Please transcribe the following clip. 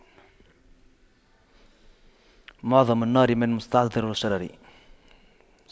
معظم النار من مستصغر الشرر